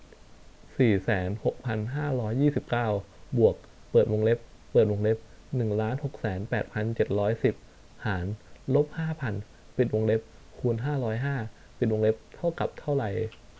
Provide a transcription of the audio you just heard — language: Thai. สี่แสนหกพันห้าร้อยยี่สิบเก้าบวกเปิดวงเล็บเปิดวงเล็บหนึ่งล้านหกแสนแปดพันเจ็ดร้อยสิบหารลบห้าพันปิดวงเล็บคูณห้าร้อยห้าปิดวงเล็บเท่ากับเท่าไร